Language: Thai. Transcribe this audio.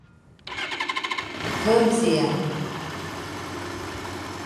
เพิ่มเสียง